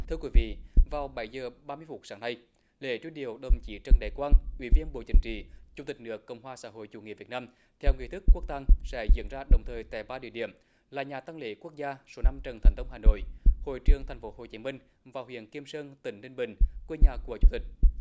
thưa quý vị vào bảy giờ ba mươi phút sáng nay lễ truy điệu đồng chí trần đại quang ủy viên bộ chính trị chủ tịch nước cộng hòa xã hội chủ nghĩa việt nam theo nghi thức quốc tang sẽ diễn ra đồng thời tại ba địa điểm là nhà tang lễ quốc gia số năm trần thánh tông hà nội hội trường thành phố hồ chí minh và huyện kim sơn tỉnh ninh bình quê nhà của chủ tịch